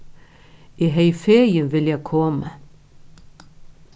eg hevði fegin viljað komið